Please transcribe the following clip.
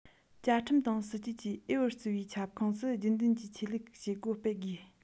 བཅའ ཁྲིམས དང སྲིད ཇུས ཀྱིས འོས པར བརྩི བའི ཁྱབ ཁོངས སུ རྒྱུན ལྡན གྱི ཆོས ལུགས བྱེད སྒོ སྤེལ དགོས